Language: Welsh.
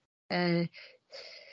yy